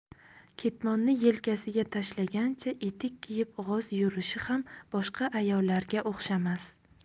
ketmonni yelkasiga tashlagancha etik kiyib g'oz yurishi ham boshqa ayollarga o'xshamas